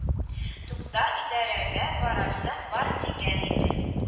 Тукта идарәгә барасым бар дигән идең